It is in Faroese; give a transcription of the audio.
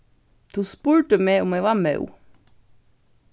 tú spurdi meg um eg var móð